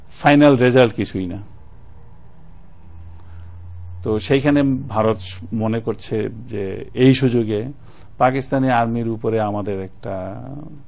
final result কিছুই না তো সেইখানে ভারত মনে করছে যে এই সুযোগে পাকিস্তানি আর্মি উপরে আমাদের একটা